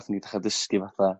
natha ni dechra dysgu fatha